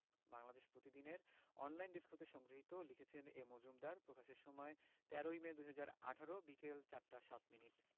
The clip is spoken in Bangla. বাংলাদেশ প্রতিদিন এর অনলাইন ডেস্ক হতে সংগৃহীত লিখেছেনঃ এ মজুমদার প্রকাশের সময় ১৩মে ২০১৮ বিকেল ৪ টা ৭ মিনিট